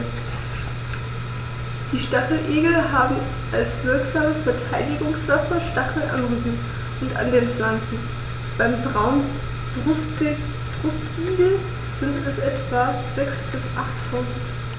Die Stacheligel haben als wirksame Verteidigungswaffe Stacheln am Rücken und an den Flanken (beim Braunbrustigel sind es etwa sechs- bis achttausend).